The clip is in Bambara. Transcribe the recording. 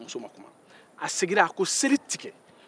muso ma kuma a segira a kan ko seli tigɛ